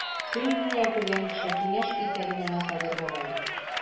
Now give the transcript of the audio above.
Син дөнья күргән кеше, киңәш ит әле миңа, Сабир бабай.